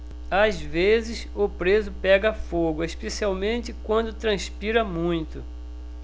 às vezes o preso pega fogo especialmente quando transpira muito